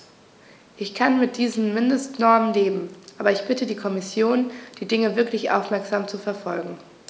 Ich kann mit diesen Mindestnormen leben, aber ich bitte die Kommission, die Dinge wirklich aufmerksam zu verfolgen.